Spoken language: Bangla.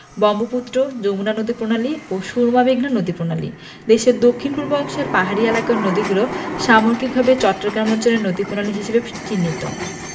ব্রহ্মপুত্র যমুনা নদীপ্রণালী ও সুরমা মেঘনা নদীপ্রণালী দেশের দক্ষিণ পূর্ব অংশের পাহাড়ী এলাকার নদীগুলো সামগ্রিকভাবে চট্টগ্রাম অঞ্চলের নদীপ্রণালী হিসেবে চিহ্নিত